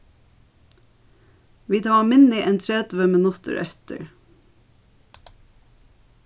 vit hava minni enn tretivu minuttir eftir